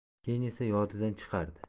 keyin esa yodidan chiqardi